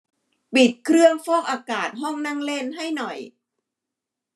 ปิดเครื่องฟอกอากาศห้องนั่งเล่นให้หน่อย